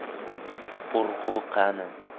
urg'u qani